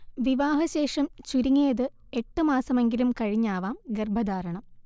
വിവാഹശേഷം ചുരുങ്ങിയത് എട്ട് മാസമെങ്കിലും കഴിഞ്ഞാവാം ഗർഭധാരണം